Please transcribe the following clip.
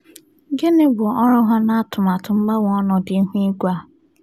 Gịnị bụ ọrụ ha n'atụmatụ mgbanwe ọnọdụ ihu igwe a?